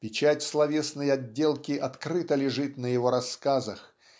Печать словесной отделки открыто лежит на его рассказах